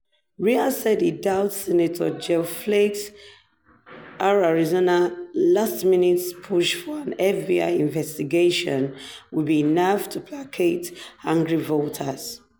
Reeher said he doubts Senator Jeff Flake's (R-Arizona) last-minute push for an FBI investigation will be enough to placate angry voters.